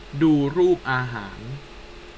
ดูรูปอาหาร